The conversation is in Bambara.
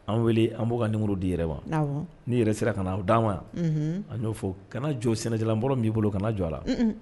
An wele an b'o ka ni di yɛrɛ wa n'i yɛrɛ sera ka na'' an wa a'o fɔ kana jɔ sɛnɛjɛlan bɔ b'i bolo kana jɔ a la